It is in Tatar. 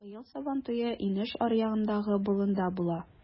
Быел Сабантуе инеш аръягындагы болында була.